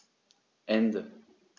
Ende.